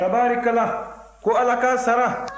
tabaarikala ko ala k'a sara